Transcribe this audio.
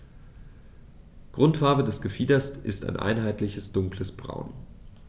Grundfarbe des Gefieders ist ein einheitliches dunkles Braun.